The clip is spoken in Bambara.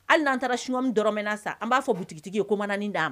Hali n'an taara smi dɔrɔ min na san an b'a fɔ butigi ye komanani dan